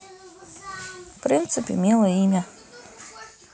в принципе милое имя